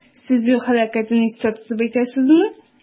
Сез юл һәлакәтен истә тотып әйтәсезме?